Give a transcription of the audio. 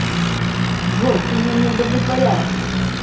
джой ты меня не удовлетворяешь